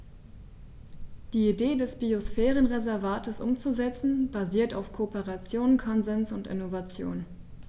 Die Idee des Biosphärenreservates umzusetzen, basiert auf Kooperation, Konsens und Innovation.